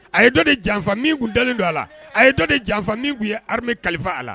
A ye dɔ de janfa min tun dalen don a la, a ye dɔ de janfa min tun ye armée kalifa a la